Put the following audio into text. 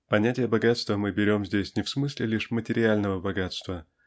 Понятие богатства мы берем здесь не в смысле лишь материального богатства